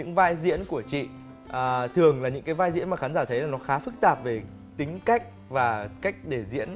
những vai diễn của chị à thường là những cái vai diễn mà khán giả thấy là nó khá phức tạp về tính cách và cách để diễn